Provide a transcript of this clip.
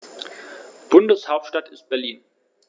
Bundeshauptstadt ist Berlin.